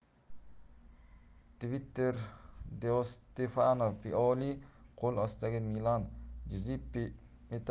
twitterdeostefano pioli qo'l ostidagi milan juzeppe